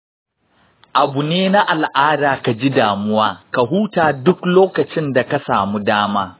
abu ne na al’ada a ji damuwa; ka huta duk lokacin da ka samu dama.